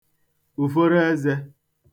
ùforoezē